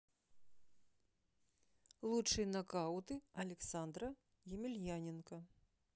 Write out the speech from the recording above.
лучшие нокауты александра емельяненко